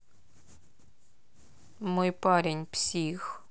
мой парень псих